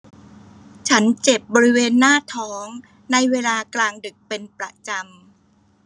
ฉันเจ็บบริเวณหน้าท้องในเวลากลางดึกเป็นประจำ